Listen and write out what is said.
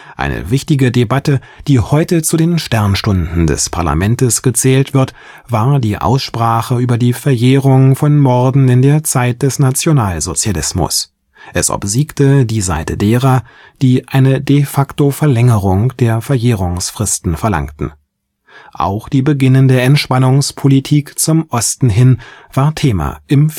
Eine wichtige Debatte, die heute zu den „ Sternstunden “des Parlaments gezählt wird, war die Aussprache über die Verjährung von Morden in der Zeit des Nationalsozialismus; es obsiegte die Seite derer, die eine de facto Verlängerung der Verjährungsfristen verlangten. Auch die beginnende Entspannungspolitik zum Osten hin war Thema im